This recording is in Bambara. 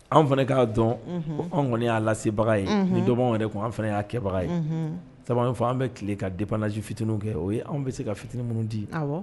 Anw fana k'a dɔn anw kɔni y'a lasebaga ye ni dɔw yɛrɛ tun an fana y'a kɛbaga ye sabu fɔ an bɛ tile ka dipji fitinin kɛ o an bɛ se ka fitinin minnu di